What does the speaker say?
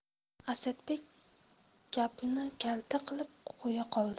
asadbek gapni kalta qilib qo'ya qoldi